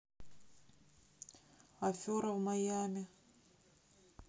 афера в майами